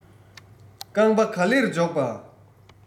རྐང པ ག ལེར འཇོག པ